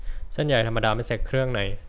เส้นใหญ่ธรรมดาไม่ใส่เครื่องใน